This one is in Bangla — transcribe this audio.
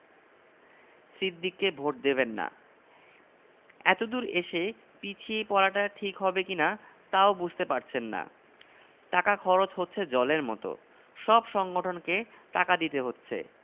তাঁর নিবাচনী উপদেষ্টা পরিষদের প্রধান মুখলেস সাহেব বসে আছেন অতি বিচক্ষণ ব্যক্তি সিদ্দিক সাহেবকে ভাজিয়ে ভাজিয়ে ইলেকশনে দাঁড় করানোর বুদ্ধিও তাঁর